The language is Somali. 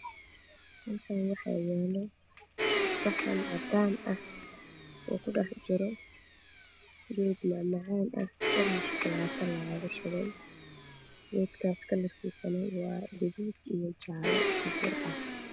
Halkan waxa yaalo saxan cadaan ah u ku dhex jiro geed mac macan ah korna shukulato loga shubay gedkas kalarkisa waa gadud iyo jalo isku jir ah